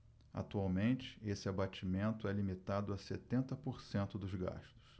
atualmente esse abatimento é limitado a setenta por cento dos gastos